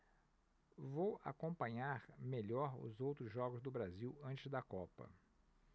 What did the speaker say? vou acompanhar melhor os outros jogos do brasil antes da copa